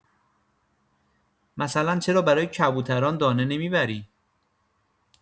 مثلا چرا برای کبوتران دانه نمی‌بری؟